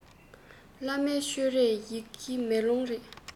བླ མའི ཆོས རར ཡི གེ མེ ལོང རེད